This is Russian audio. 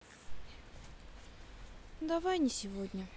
давай не сегодня